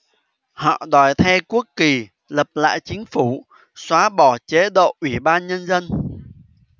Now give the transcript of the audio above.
họ đòi thay quốc kỳ lập lại chính phủ xóa bỏ chế độ ủy ban nhân dân